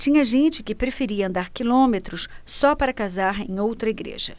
tinha gente que preferia andar quilômetros só para casar em outra igreja